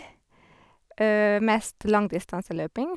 Mest langdistanseløping.